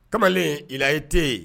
Kamalen ire tɛ